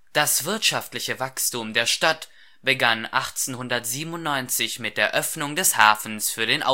Das wirtschaftliche Wachstum der Stadt begann 1897 mit der Öffnung des Hafens für den